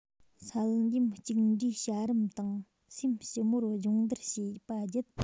བསལ འདེམས གཅིག འདྲའི བྱ རིམ དང སེམས ཞིབ མོར སྦྱོང བརྡར བྱས པ བརྒྱུད